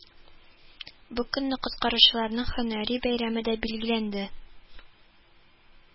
Бу көнне Коткаручыларның һөнәри бәйрәме дә билгеләнде